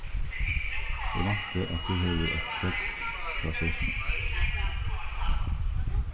eg vænti at tú hevur eitt prógv frá setrinum